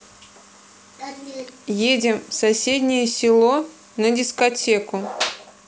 едем в соседнее село на дискотеку